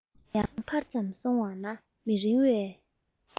ཡང ཕར ཙམ སོང བ ན མི རིང བའི